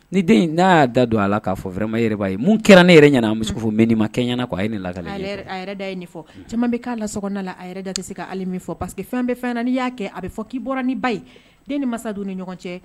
Ni den n' y'a da don ala la k'a fɔma yɛrɛ' ye mun kɛra ne yɛrɛ nana musofu bɛ ni ma kɛ ɲɛna a ni la a da ye nin fɔ caman bɛ k' la sokda la a yɛrɛ da tɛ se ka' min fɔ paseke fɛn bɛɛ fɛn na'i y'a kɛ a bɛ fɔ k'i bɔra ni ba ye den ni masasa dun ni ɲɔgɔn cɛ